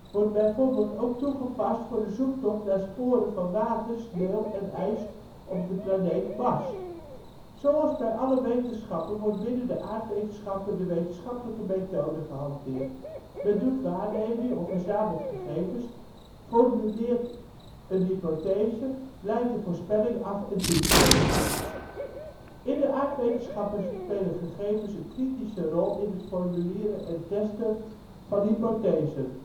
wordt bijvoorbeeld ook toegepast voor de zoektocht naar sporen van water, sneeuw en ijs op de planeet Mars. Zoals bij alle wetenschappen wordt binnen de aardwetenschappen de wetenschappelijke methode gehanteerd: men doet waarnemingen (of verzamelt gegevens), formuleert een hypothese, leidt een voorspelling af en toetst deze. In de aardwetenschappen spelen gegevens een kritische rol in het formuleren en testen van hypothesen